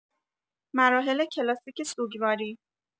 مراحل کلاسیک سوگواری